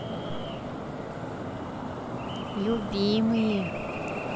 любимые